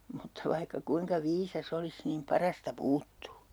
mutta vaikka kuinka viisas olisi niin parasta puuttuu